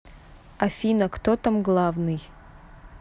афина кто там главный